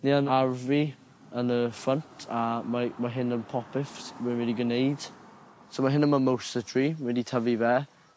Ni yn ardd fi yn y ffrynt a mae ma' hyn yn popeth s- rwy wedi gwneud. So ma' hyn yn Mymosa Tree, rwy 'di tyfu fe.